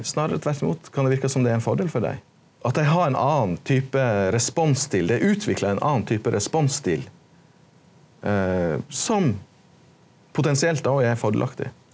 snarare tvert imot kan det verke som det er ein fordel for dei at dei har ein annan type responsstil det er utvikla ein annan type responsstil som potensielt då er fordelaktig.